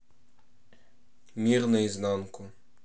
мир наизнанку